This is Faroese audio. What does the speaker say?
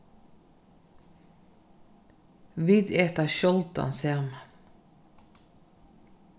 vit eta sjáldan saman